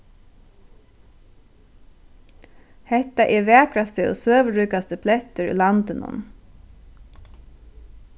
hetta er vakrasti og søguríkasti blettur í landinum